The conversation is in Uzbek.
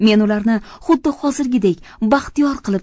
men ularni xuddi hozirgidek baxtiyor qilib